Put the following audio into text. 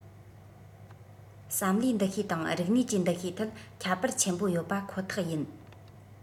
བསམ བློའི འདུ ཤེས དང རིག གནས ཀྱི འདུ ཤེས ཐད ཁྱད པར ཆེན པོ ཡོད པ ཁོ ཐག ཡིན